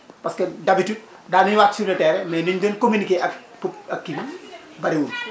parce que d' habitude daa nañu wçcc sur le terrain mais ni ñu doon communiquer ak pop ak kii bi bariwul